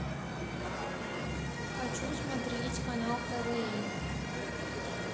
хочу смотреть канал квн